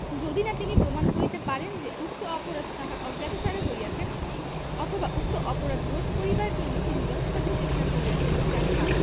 যদি না তিনি প্রমাণ করিতে পারেন যে উক্ত অপরাধ তাহার অজ্ঞাতসারে হইয়াছে অথবা উক্ত অপরাধ রোধ করিবার জন্য তিনি যথাসাধ্য চেষ্টা করিয়াছেন ব্যাখ্যাঃ